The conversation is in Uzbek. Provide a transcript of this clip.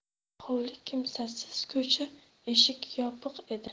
hovli kimsasiz ko'cha eshik yopiq edi